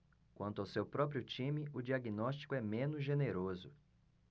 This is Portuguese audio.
quanto ao seu próprio time o diagnóstico é menos generoso